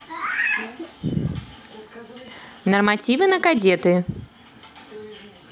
нормативы на кадеты